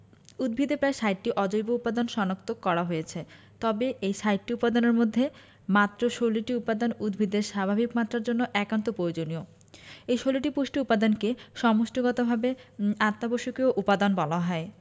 উদ্ভিদে প্রায় ৬০টি অজৈব উপাদান শনাক্ত করা হয়েছে তবে এই ৬০টি উপাদানের মধ্যে মাত্র ১৬টি উপাদান উদ্ভিদের স্বাভাবিক বৃদ্ধির জন্য একান্ত প্রয়োজনীয় এ ১৬টি পুষ্টি উপাদানকে সমষ্টিগতভাবে অত্যাবশ্যকীয় উপাদান বলা হয়